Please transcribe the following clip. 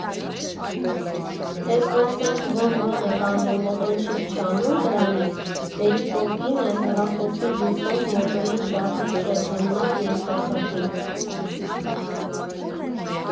֊Էս որ սենց վըըըմ վըըըմ եք անում, մոտոն չի փչանու՞մ դրանից, ֊ բեյջիկով կինը՝ հեռախոսի լույսով մոտոյի շարժիչը զննող երիտասարդին։